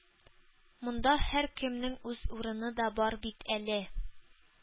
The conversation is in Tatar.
Монда һәркемнең үз урыны да бар бит әле!